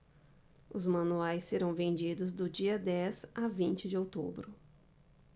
os manuais serão vendidos do dia dez a vinte de outubro